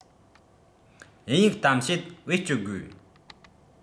དབྱིན ཡིག གཏམ བཤད བེད སྤྱོད དགོས